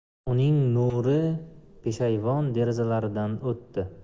uning nuri peshayvon derazalaridan o'tdi